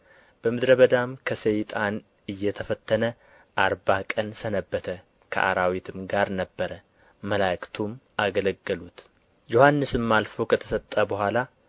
በምድረ በዳም ከሰይጣን እየተፈተነ አርባ ቀን ሰነበተ ከአራዊትም ጋር ነበረ መላእክቱም አገለገሉት ዮሐንስም አልፎ ከተሰጠ በኋላ